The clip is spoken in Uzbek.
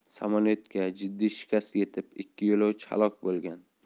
samolyotga jiddiy shikast yetib ikki yo'lovchi halok bo'lgan